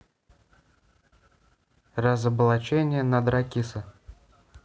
разоблачение надракиса